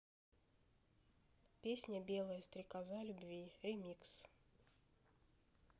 песня белая стрекоза любви ремикс